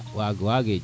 wa wage jeg